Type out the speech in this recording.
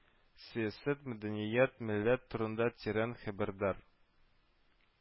Сәясәт, мәдәният, милләт турында тирән хәбәрдар